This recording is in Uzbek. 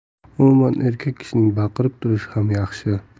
umuman erkak kishining baqirib turishi ham yaxshi